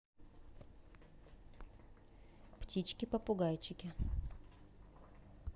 птички попугайчики